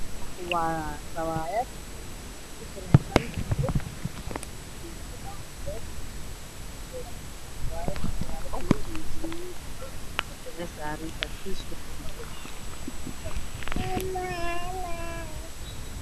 Waa sabaayad ka samaysan bur burkeedu yahay jaalo mara cadaan ayay saaran tahay